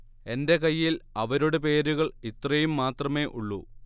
എന്റെ കയ്യിൽ അവരുടെ പേരുകൾ ഇത്രയും മാത്രമേ ഉള്ളൂ